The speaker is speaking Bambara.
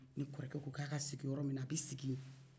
n'i kɔrɔkɛ ko k'a sigi yɔrɔ min na a bɛ sigi yen